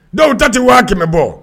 Dɔw ta tɛ waa kɛmɛ bɔ